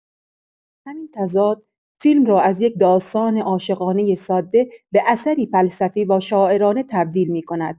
همین تضاد، فیلم را از یک داستان عاشقانۀ ساده، به اثری فلسفی و شاعرانه تبدیل می‌کند.